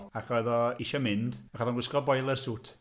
Ac oedd o isio mynd, ac oedd o'n gwisgo boiler suit.